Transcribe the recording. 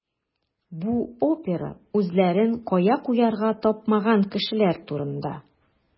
Бу опера үзләрен кая куярга тапмаган кешеләр турында.